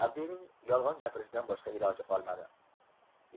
avdiyning yolg'on gapirishdan boshqa iloji qolmadi